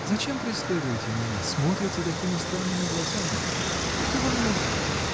— Зачем преследуете меня, смотрите такими странными глазами? Что вам нужно?